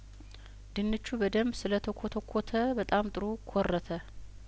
ድንቹ በደንብ ስለተኰተኰተ በጣም ጥሩ ኰረተ